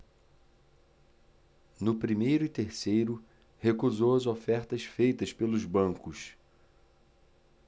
no primeiro e terceiro recusou as ofertas feitas pelos bancos